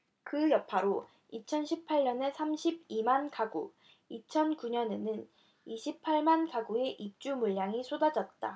그 여파로 이천 팔 년에 삼십 이 만가구 이천 구 년에는 이십 팔 만가구의 입주물량이 쏟아졌다